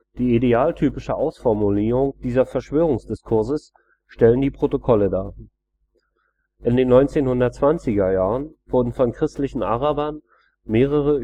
Die idealtypische Ausformulierung dieses Verschwörungsdiskurses stellen die Protokolle dar. In den 1920er Jahren wurden von christlichen Arabern mehrere